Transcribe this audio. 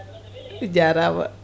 jarama